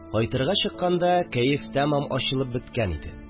Кайтырга чыкканда, кәеф тәмам ачылып беткән иде